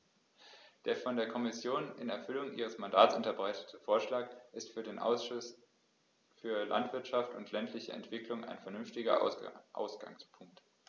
Der von der Kommission in Erfüllung ihres Mandats unterbreitete Vorschlag ist für den Ausschuss für Landwirtschaft und ländliche Entwicklung ein vernünftiger Ausgangspunkt.